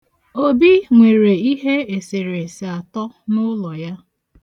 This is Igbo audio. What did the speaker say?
Obi nwere ihe eserese atọ n'ụlọ ya.